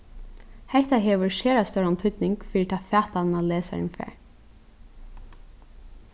hetta hevur sera stóran týdning fyri ta fatanina lesarin fær